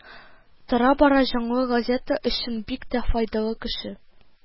Тора-бара җанлы газета өчен бик тә файдалы кеше